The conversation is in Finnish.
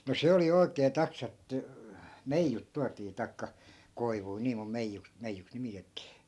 no se oli oikein taksa että meijut tuotiin tai koivuja niin kuin meijuksi meijuksi nimitettiin